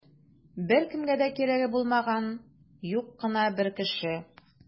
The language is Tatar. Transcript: Беркемгә дә кирәге булмаган юк кына бер кеше.